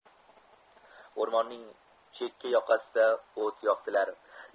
o'rmonning chekka yoqasida o't yoqdilar